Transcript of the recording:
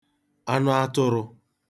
anụ atụ̄rụ̄